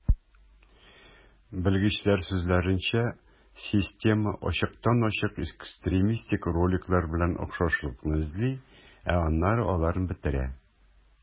Белгечләр сүзләренчә, система ачыктан-ачык экстремистик роликлар белән охшашлыкны эзли, ә аннары аларны бетерә.